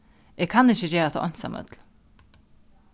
eg kann ikki gera hatta einsamøll